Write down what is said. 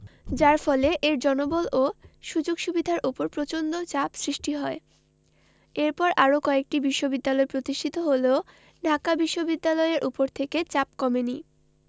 যার ফলে এর জনবল ও সুযোগ সুবিধার ওপর প্রচন্ড চাপ সৃষ্টি হয় এরপর আরও কয়েকটি বিশ্ববিদ্যালয় প্রতিষ্ঠিত হলেও ঢাকা বিশ্ববিদ্যালয়ের ওপর থেকে চাপ কমেনি